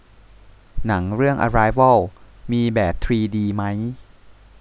หนังเรื่องอะไรวอลมีแบบทรีดีมั้ย